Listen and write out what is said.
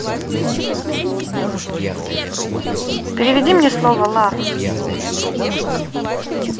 переведи мне слово love